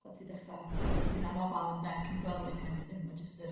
Pan ti ddechra so't of hunanofal ynde cyn gwely kind of thing ma' jyst yr